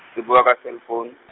ke bua ka cell phone .